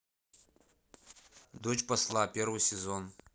дочь посла первый сезон